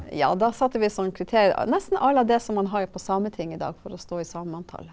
ja da satte vi sånn nesten a la det som man har på Sametinget i dag for å stå i samemanntallet.